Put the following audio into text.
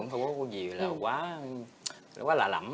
có gì đó quá quá lạ lẫm